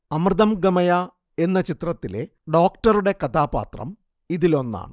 അമൃതം ഗമയ എന്ന ചിത്രത്തിലെ ഡോക്ടറുടെ കഥാപാത്രം ഇതിലൊന്നാണ്